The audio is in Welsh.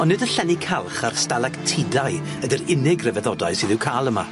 Ond nid y llenni calch a'r stalactidau ydi'r unig rhyfeddodau sydd i'w ca'l yma.